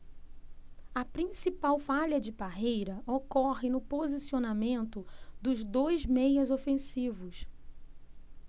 a principal falha de parreira ocorre no posicionamento dos dois meias ofensivos